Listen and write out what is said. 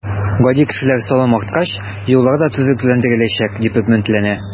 Гади кешеләр салым арткач, юллар да төзекләндереләчәк, дип өметләнә.